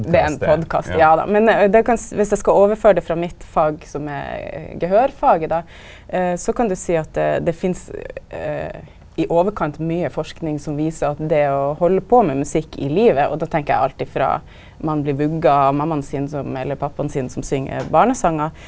det er ein podkast ja då, men det kan viss eg skal overføra det frå mitt fag som er gehørfaget då så kan du seia at det det finst i overkant mykje forsking som viser at det å halda på med musikk i livet, og då tenker eg alltid frå ein blir vogga av mammaa sin som eller pappaen sin som syng barnesongar.